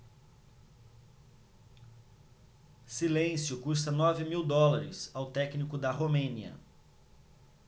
silêncio custa nove mil dólares ao técnico da romênia